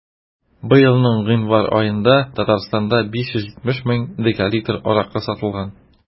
Быелның гыйнвар аенда Татарстанда 570 мең декалитр аракы сатылган.